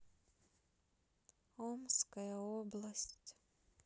омская область